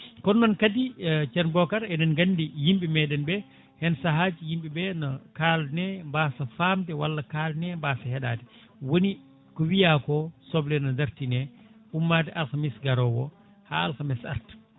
kono noon kadi ceerno Bocara eɗen gandi yimɓe meɗen ɓe hen saahaji yimɓeɓe na kalne baasa famde walla kalne baasa heeɗade woni ko wiya ko soble ne dartine ummade alkamisa garowo o ha alkamisa arta